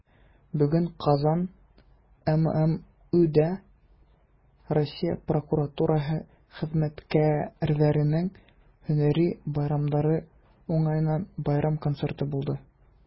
Бүген "Казан" ММҮдә Россия прокуратурасы хезмәткәрләренең һөнәри бәйрәмнәре уңаеннан бәйрәм концерты булды.